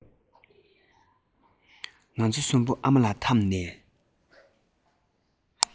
ང ཚོ གསུམ པོ ཨ མ ལ འཐམས ནས